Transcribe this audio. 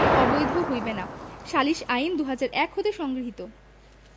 অবৈধ হইবে না সালিস আইন ২০০১ হতে সংগৃহীত